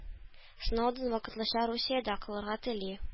Сноуден вакытлыча Русиядә калырга тели